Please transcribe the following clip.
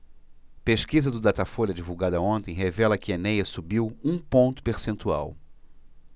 pesquisa do datafolha divulgada ontem revela que enéas subiu um ponto percentual